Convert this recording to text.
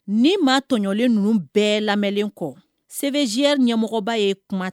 Ni maa tɔɲɔlen ninnu bɛɛ lamɛnlen kɔ sɛbɛn ze ɲɛmɔgɔba ye kuma ten